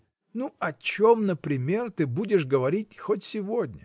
— Ну о чем, например, ты будешь говорить хоть сегодня?